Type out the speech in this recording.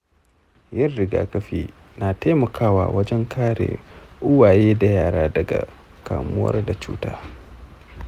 yin rigakafi na taimakawa wajan kare uwaye da yara daga kamuwa da cuta.